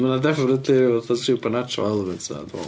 Ond ma' 'na definitely rhyw fath o super natural elements 'na dwi meddwl.